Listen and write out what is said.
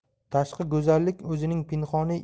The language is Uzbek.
tashqi go'zallik o'zining pinhoniy